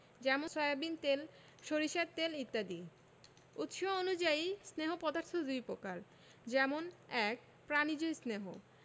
যেমন সয়াবিন তেল সরিষার তেল ইত্যাদি উৎস অনুযায়ী স্নেহ পদার্থ দুই প্রকার যেমন ১. প্রাণিজ স্নেহ